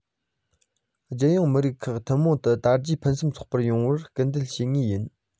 རྒྱལ ཡོངས མི རིགས ཁག ཐུན མོང དུ དར རྒྱས ཕུན སུམ ཚོགས པ ཡོང བར སྐུལ འདེད བྱེད ངེས ཡིན